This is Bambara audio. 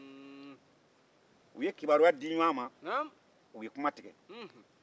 u ye kibaruya di ɲɔgɔn ma u ye kuma tigɛ